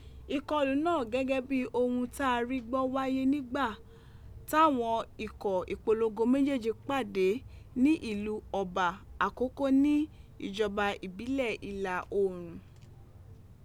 Ikọlu naa gẹgẹ bi ohun ta ri gbọ waye nigba tawọn ikọ ipolongo mejeeji pade ni ilu ọba Akoko ni ijọba ibilẹ Ìlà Oòrun.